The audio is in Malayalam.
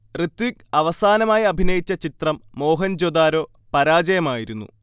ഋത്വിക്ക് അവസാനമായി അഭിനയിച്ച ചിത്രം മോഹൻ ജൊദാരോ പരാജയമായിരുന്നു